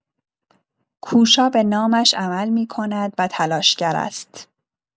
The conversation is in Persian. کوشا به نامش عمل می‌کند و تلاشگر است.